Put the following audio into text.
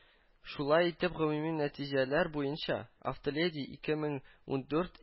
Шулай итеп гомуми нәтиҗәләр буенча “Автоледи- ике мең ундурт ”